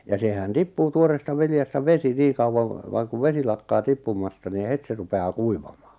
ja sehän tippuu tuoreesta viljasta vesi niin kauan vaan kun vesi lakkaa tippumasta niin heti se rupeaa kuivamaan